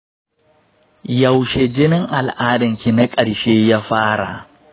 yaushe jinin al'adanki na ƙarshe ya fara?